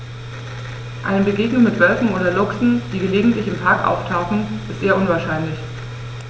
Eine Begegnung mit Wölfen oder Luchsen, die gelegentlich im Park auftauchen, ist eher unwahrscheinlich.